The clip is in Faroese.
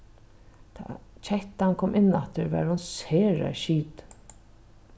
tá kettan kom inn aftur var hon sera skitin